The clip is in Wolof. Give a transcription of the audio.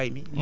mbéy mi